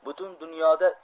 butun dunyoda